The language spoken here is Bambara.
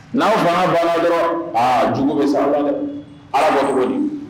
N'aw fa bana dɔrɔn aa jugu bɛ s’aw la dɛ, Ala ko cogo di?